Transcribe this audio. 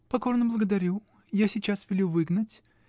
— Покорно благодарю, я сейчас велю выгнать.